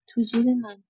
تو جیب من